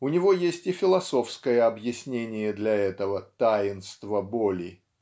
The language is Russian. У него есть и философское объяснение для этого "таинства" боли